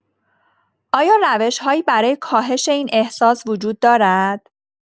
آیا روش‌هایی برای کاهش این احساس وجود دارد؟